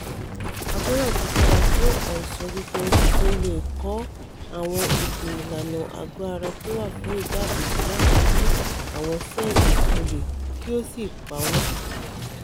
Abẹ́rẹ́ àjẹsára fún àìsàn jẹjẹrẹ tuntun leè kọ́ àwọn ètò ìlànà àgọ́-ara tówà fún ìdáààbòbò láti 'ri' àwọn ṣẹ̵́ẹ̀lì olè kí ó sì pa wọn